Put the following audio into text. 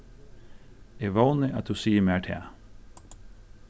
eg vóni at tú sigur mær tað